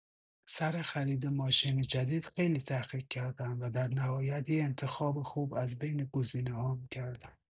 سر خرید ماشین جدید خیلی تحقیق کردم و در نهایت یه انتخاب خوب از بین گزینه‌هام کردم.